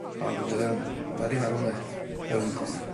Ond yym ma' 'di marw nde? yr uncle.